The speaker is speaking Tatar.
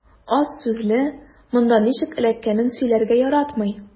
Аз сүзле, монда ничек эләккәнен сөйләргә яратмый.